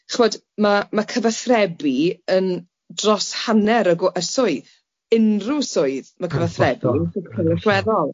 chi'bod ma' ma' cyfathrebu yn dros hanner y go- y swydd, unrhyw swydd ma' cyfathrebu yn allweddol.